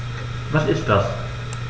Was ist das?